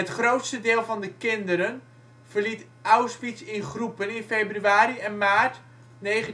grootste deel van de kinderen verliet Auschwitz in groepen in februari en maart 1945